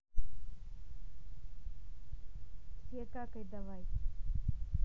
все какай давай